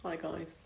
hi guys.